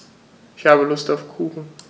Ich habe Lust auf Kuchen.